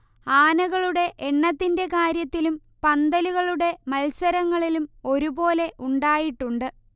ആനകളുടെ എണ്ണത്തിന്റെ കാര്യത്തിലും പന്തലുകളുടെ മത്സരങ്ങളിലും ഒരു പോലെ ഉണ്ടായിട്ടുണ്ട്